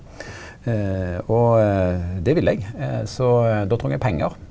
og det ville eg, så då trong eg pengar.